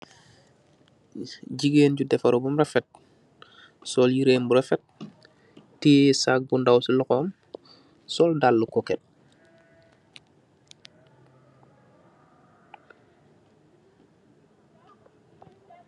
Jigain ju defaru bam rafet, sol yiraim bu rafet, tiyai saak bu ndaw si lokhoom, sol dallu koket.